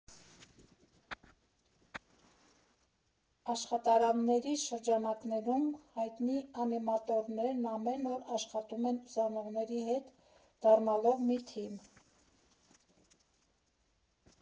Աշխատարանների շրջանակներում հայտնի անիմատորներն ամեն օր աշխատում են ուսանողների հետ՝ դառնալով մի թիմ։